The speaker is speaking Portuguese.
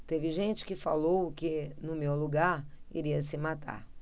teve gente que falou que no meu lugar iria se matar